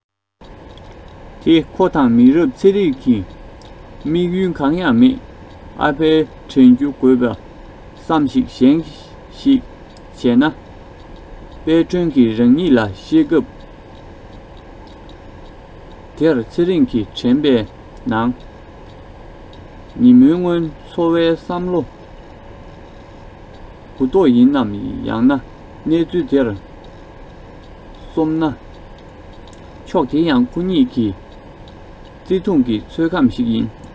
དེ ཁོ དང མི རབས ཚེ རིང གི དམིགས ཡུལ གང ཡང མེད ཨ ཕའི དྲན རྒྱུ དགོས པ བསམ གཞིག གཞན ཞིག བྱས ན དཔལ སྒྲོན གྱི རང ཉིད ལ བཤད སྐབས དེར ཚེ རིང གི དྲན པའི ནང ཉིན མོ སྔོན འཚོ བའི བསམ བློའི གུ དོག ཡིན ནམ ཡང ན གནས ཚུལ དེར སོམ ན ཕྱོགས དེ ཡང ཁོ གཉིས ཀྱི བརྩེ དུང གི ཚོད གམ ཞིག ཡིན